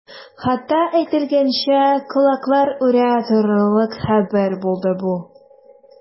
Хатта әйтелгәнчә, колаклар үрә торырлык хәбәр булды бу.